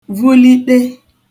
vuliṭe